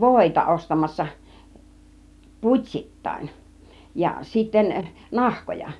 voita ostamassa putsittain ja sitten nahkoja